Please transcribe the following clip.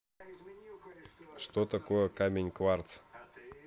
что такое камень кварц